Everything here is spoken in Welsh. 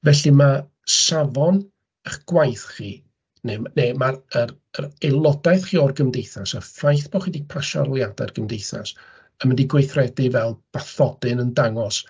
Felly ma' safon eich gwaith chi neu m- neu ma'r yr yr aelodaeth chi o'r gymdeithas, a'r ffaith bod chi 'di pasio arholiadau'r Gymdeithas yn mynd i gweithredu fel bathodyn yn dangos...